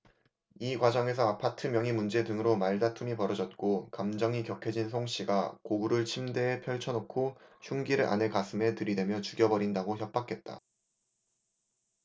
이 과정에서 아파트 명의 문제 등으로 말다툼이 벌어졌고 감정이 격해진 송씨가 공구를 침대에 펼쳐놓고 흉기를 아내 가슴에 들이대며 죽여버린다고 협박했다